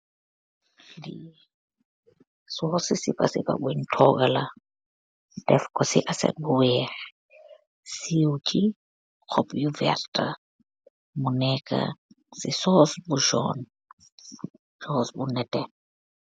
Sosi sipa sipa bun toga la, defko si asset bu weah, siw chi hop you verte, muneka si soss bu sol, soss bu neteh.